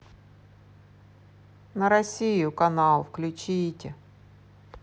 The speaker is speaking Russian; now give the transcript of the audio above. на россию канал включите